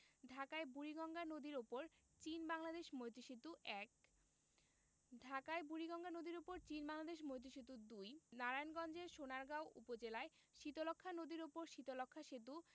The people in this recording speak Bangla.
ঢাকায় বুড়িগঙ্গা নদীর উপর চীন বাংলাদেশ মৈত্রী সেতু ১ ঢাকায় বুড়িগঙ্গা নদীর উপর চীন বাংলাদেশ মৈত্রী সেতু ২ নারায়ণগঞ্জের সোনারগাঁও উপজেলায় শীতলক্ষ্যা নদীর উপর শীতলক্ষ্যা সেতু